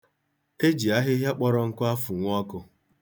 E ji ahịhịa kpọrọ nkụ afụnwu ọkụ.